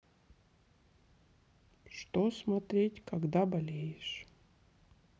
что смотреть когда болеешь